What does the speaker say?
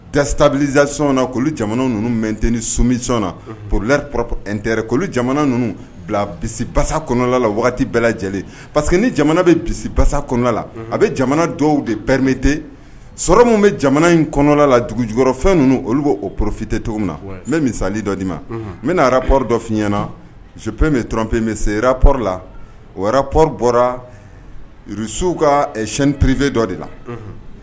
Da tabizsiona jamana ninnu mɛtini soy na poro jamana ninnu bila bisimilabasa kɔnɔla la waati bɛɛ lajɛlen parce que ni jamana bɛ bisimilabasa kɔnɔ la a bɛ jamana dɔw de premete sɔrɔ min bɛ jamana in kɔnɔla la dugujɛkɔrɔfɛn ninnu olu bɛ o poropifite cogo min na n bɛ misali dɔ di ma n bɛna arara poro dɔ fiyɲɛnaop bɛ tp bɛ sera pporo la o yɛrɛ pooro bɔra rusiww ka sɛ purpfe dɔ de la